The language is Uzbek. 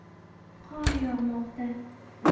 qor yog'moqda